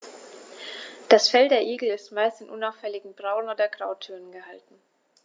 Das Fell der Igel ist meist in unauffälligen Braun- oder Grautönen gehalten.